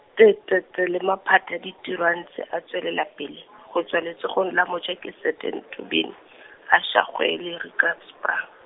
T T T le maphata ditiro a ntse a tswelela pele, go tswa letsogong la moja ke Sete Mthombeni, Aysha Jogee le Rika Sprang.